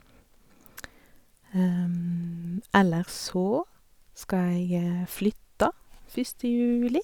Ellers så skal jeg flytte første juli.